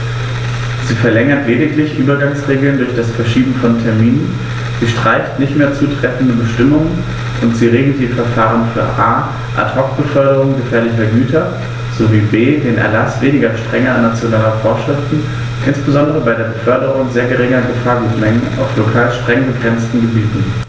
Sie verlängert lediglich Übergangsregeln durch das Verschieben von Terminen, sie streicht nicht mehr zutreffende Bestimmungen, und sie regelt die Verfahren für a) Ad hoc-Beförderungen gefährlicher Güter sowie b) den Erlaß weniger strenger nationaler Vorschriften, insbesondere bei der Beförderung sehr geringer Gefahrgutmengen auf lokal streng begrenzten Gebieten.